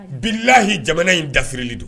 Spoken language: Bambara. Bilahi jamana in dafirilen don.